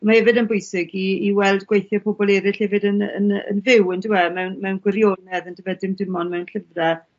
Mae efyd yn bwysig i i weld gweithie pobol eryll efyd yn yn yn fyw on'd yw e mewn mewn gwirionedd o'nd yfe? Dim dim ond mewn llyfre.